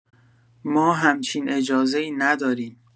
ما همچین اجازه‌ای نداریم